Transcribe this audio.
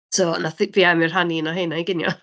So wnaeth f- fi a Emyr rhannu un o heina i ginio!